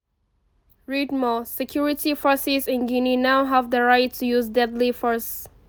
Read more: Security forces in Guinea now have the right to use deadly force